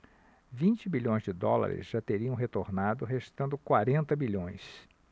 vinte bilhões de dólares já teriam retornado restando quarenta bilhões